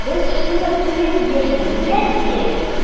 Без шуны тоеп яшәргә тиеш.